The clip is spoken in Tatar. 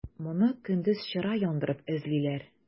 Моны көндез чыра яндырып эзлиләр.